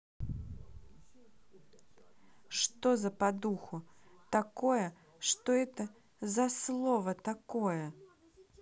что за подуху такое что это за слово такое